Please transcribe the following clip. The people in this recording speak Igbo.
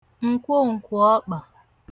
ǹkwoǹkwòọkpà